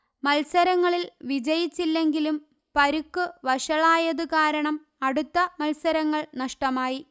മല്സരങ്ങളിൽ വിജയിച്ചെങ്കിലും പരുക്കു വഷളായതു കാരണം അടുത്ത മല്സരങ്ങൾ നഷ്ടമായി